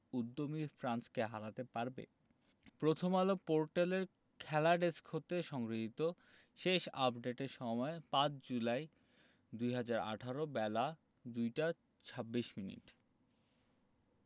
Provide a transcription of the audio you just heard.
উদ্যমী ফ্রান্সকে হারাতে পারবে প্রথমআলো পোর্টালের খেলা ডেস্ক হতে সংগৃহীত শেষ আপডেটের সময় ৫ জুলাই ২০১৮ বেলা ২টা ২৬মিনিট